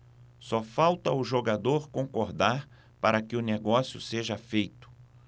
só falta o jogador concordar para que o negócio seja feito